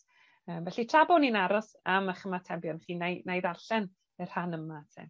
Yym felly tra bo' ni'n aros am 'ych ymatebion chi nâi nâi ddarllen y rhan yma 'te.